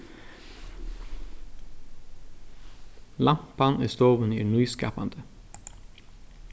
lampan í stovuni er nýskapandi